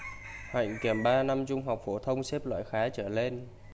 hạnh kiểm ba năm trung học phổ thông xếp loại khá trở lên